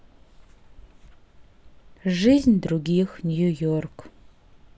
жизнь других нью йорк